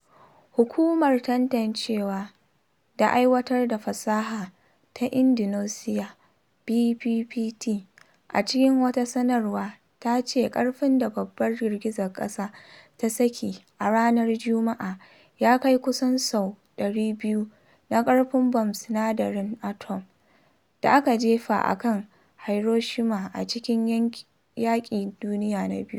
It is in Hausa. Hukumar tantancewa da Aiwatar da Fasaha ta Indonesiya (BPPT) a cikin wata sanarwa ta ce ƙarfin da babbar girgizar ƙasa ta saki a ranar Juma’ar ya kai kusan sau 200 na ƙarfin bam na sinadarin atom da aka jefa a kan Hiroshima a cikin yaƙin Duniya na Biyu.